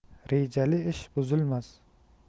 rejali ish buzilmas